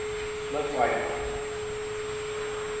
sløkk wifi